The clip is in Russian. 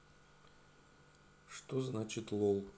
что значит лол